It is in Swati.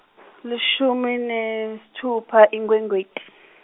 lishumi nesitfupha iNkhwekhweti.